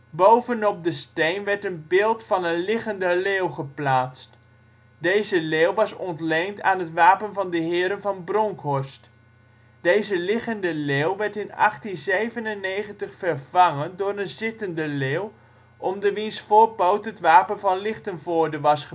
Bovenop de steen werd een beeld van een liggende leeuw geplaatst. Deze leeuw was ontleend aan het wapen van de heren van Bronkhorst. Deze liggende leeuw werd in 1897 vervangen door een zittende leeuw, onder wiens voorpoot het wapen van Lichtenvoorde was